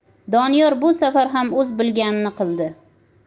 doniyor bu safar ham o'z bilganini qildi